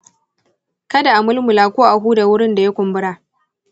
kada a mulmula ko a huda wurin da ya kumbura.